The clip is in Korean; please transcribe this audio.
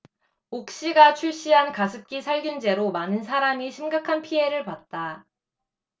옥시가 출시한 가습기살균제로 많은 사람이 심각한 피해를 봤다